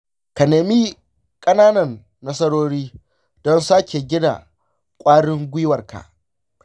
ka nemi ƙananan nasarori don sake gina ƙwarin gwiwarka.